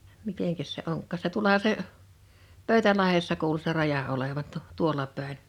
mitenkäs se onkaan se tuollahan se Pöytälahdessa kuuluu se raja olevan - tuolla päin